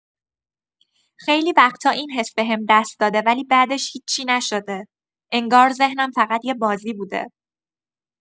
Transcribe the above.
خیلی وقتا این حس بهم دست داده ولی بعدش هیچی نشده، انگار ذهنم فقط یه بازی بوده.